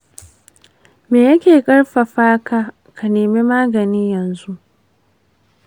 me yake ƙarfafa ka ka nemi magani yanzu?